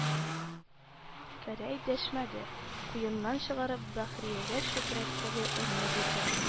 Гәрәй дәшмәде, куеныннан чыгарып Бәхриягә чүпрәктәге онны бирде